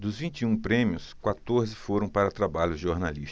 dos vinte e um prêmios quatorze foram para trabalhos jornalísticos